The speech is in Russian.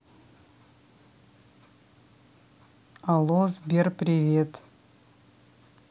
алло сбер привет